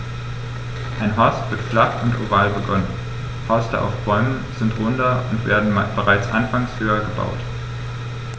Ein Horst wird flach und oval begonnen, Horste auf Bäumen sind runder und werden bereits anfangs höher gebaut.